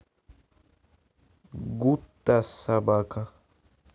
гутта собака